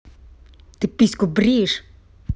ты письку бреешь